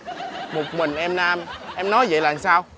một mình em nam em nói vậy là sao